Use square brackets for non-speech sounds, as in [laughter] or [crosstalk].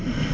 [hesitation]